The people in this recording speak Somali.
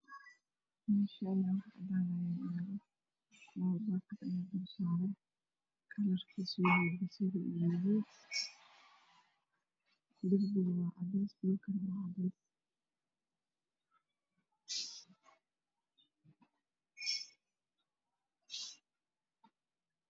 Meeshani waxaa inoo muuqdo dukaan dukaan oo.shoobin ah oy kujiraan cadaro igo. barjuunyo iyo. carfisooyin iyo. shoobin kaloo. fara badna